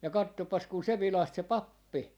ja katsopas kun se vilahti se pappi